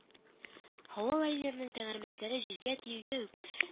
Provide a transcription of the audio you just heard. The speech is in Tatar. Һава лайнерының тәгәрмәчләре җиргә тиюгә үк